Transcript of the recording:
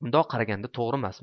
mundoq qaraganda to'g'rimasmi